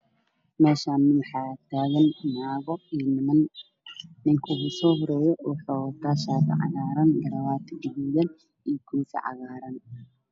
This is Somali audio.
Meshan waxtagan naago io wll nika usohoreya waxow wata shati cagar garawati gaduudan io kofi cagar